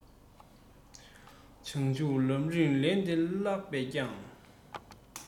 བྱང ཆུབ ལམ རིམ ལན རེ བཀླགས པས ཀྱང